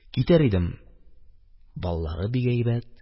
Китәр идем, баллары бик әйбәт,